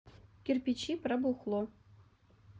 кирпичи про бухло